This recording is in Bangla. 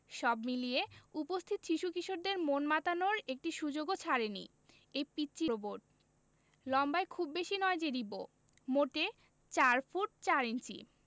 সব মিলিয়ে উপস্থিত শিশু কিশোরদের মন মাতানোর একটি সুযোগও ছাড়েনি এই পিচ্চি রোবট লম্বায় খুব বেশি নয় যে রিবো মোটে ৪ ফুট ৪ ইঞ্চি